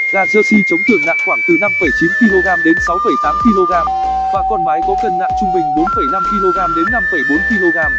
gà jersey trống thường nặng khoảng từ kg đến kg và con mái có cân nặng trung bình kg đến kg